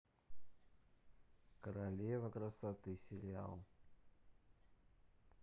королева красоты сериал